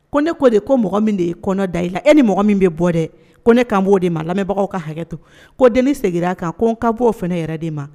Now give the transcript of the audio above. Ko ne ko de ko mɔgɔ min de ye kɔnɔ da i la e ni mɔgɔ min bɛ bɔ dɛ ko ne k' b'o de ma lamɛnbagaw ka hakɛ to ko deni seginna kan ko n ka bɔ'o fana yɛrɛ de ma